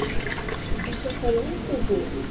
acha xolang ku bu